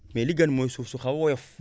mais li gën mooy suuf su xaw a woyof